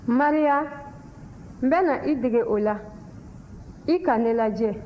maria n bɛ na i dege o la i ka ne lajɛ